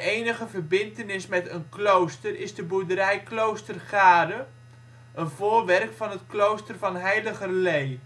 enige verbintenis met een klooster is de boerderij Kloostergare, een voorwerk van het klooster van Heiligerlee.